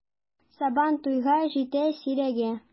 Сабан туйга җитә сирәге!